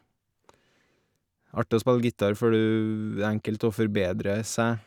Artig å spille gitar for du enkelt å forbedre seg.